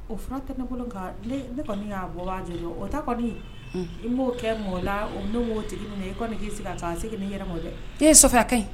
O fura tɛ ne bolo ne kɔni y'a bɔ jɔ o ta kɔni i b'o kɛ mɔgɔ la n'o m'o tigi minɛ ye i kɔni k'i sigi kan o bɛ segin i yɛrɛ ma dɛ e ça fait a kaɲi.